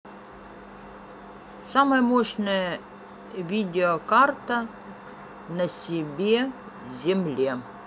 самое мощное видеокарта на себе земле